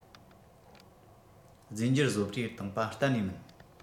རྫས འགྱུར བཟོ གྲྭས བཏང པ གཏན ནས མིན